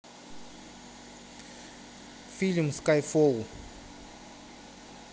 фильм скайфолл